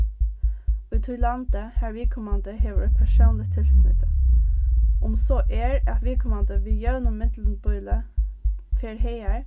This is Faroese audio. í tí landi har viðkomandi hevur eitt persónligt tilknýti um so er at viðkomandi við jøvnum fer hagar